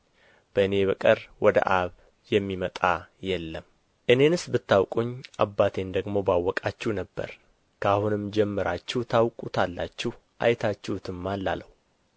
በእኔ በቀር ወደ አብ የሚመጣ የለም እኔንስ ብታውቁኝ አባቴን ደግሞ ባወቃችሁ ነበር ከአሁንም ጀምራችሁ ታውቁታላችሁ አይታችሁትማል አለው